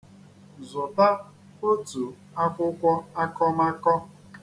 Zụta otu akwụkwọ akọmakọ.